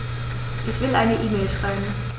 Ich will eine E-Mail schreiben.